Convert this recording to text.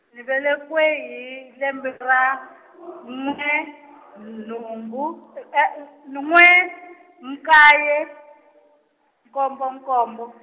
ni velekiwe hi lembe ra , n'we n- nhungu , n'we nkaye, nkombo nkombo.